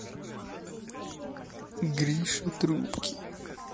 гриша трубки